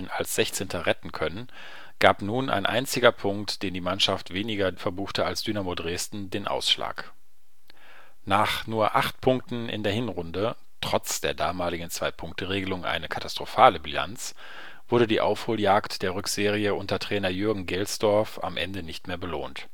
als 16. retten können, gab nun ein einziger Punkt, den die Mannschaft weniger verbuchte als Dynamo Dresden, den Ausschlag. Nach nur acht Punkten in der Hinrunde – trotz der damaligen 2-Punkte-Regelung eine katastrophale Bilanz – wurde die Aufholjagd der Rückserie unter Trainer Jürgen Gelsdorf am Ende nicht mehr belohnt